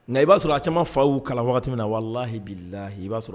Nka i b'a sɔrɔ a camanma fa kala min na walahi' la i b'a sɔrɔ